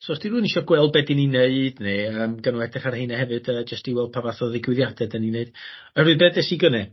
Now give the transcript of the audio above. So os 'di rywun isio gweld be' 'dyn ni'n neud ne' yym gawn n'w edrych ar rheine hefyd yy jyst i weld pa fath o ddigwyddiade 'dyn ni neud oerwydd be d'es i gynne